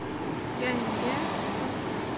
kutganga kun uzoq